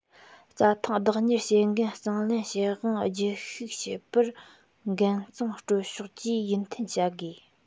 རྩྭ ཐང བདག གཉེར བྱེད འགན གཙང ལེན བྱེད དབང བརྒྱུད བཤུག བྱེད པར འགན གཙང སྤྲོད ཕྱོགས ཀྱིས ཡིད མཐུན བྱ དགོས